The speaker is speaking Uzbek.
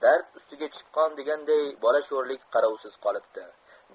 dard ustiga chipqon deganday bola sho'rlik qarovsiz qolibdi